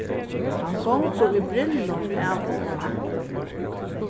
hann gongur í brillum av og á